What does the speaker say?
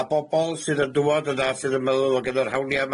a bobol sydd yn dŵad yna sydd yn meddwl ma' gynno' rhawnia'